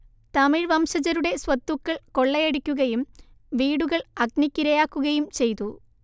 തമിഴ് വംശജരുടെ സ്വത്തുക്കൾ കൊള്ളയടിക്കുകയും വീടുകൾ അഗ്നിക്കിരയാക്കുകയും ചെയ്തു